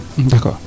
D' accord